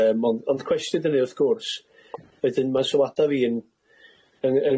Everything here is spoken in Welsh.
Yym ond ond cwestiwn 'di hynny wrth gwrs, wedyn ma' sylwada fi'n yn